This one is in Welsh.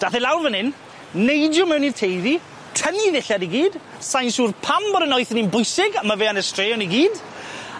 Dath e lawr fyn 'yn, neidio mewn i'r Teifi, tynnu 'i ddillad i gyd, sai'n siŵr pam bod yn noeth yn un bwysig, on' ma' fe yn y straeon i gyd